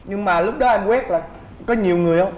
nhưng mà lúc đó em quét là có nhiều người